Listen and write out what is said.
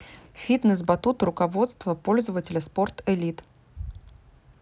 фитнес батут руководство пользователя sport elite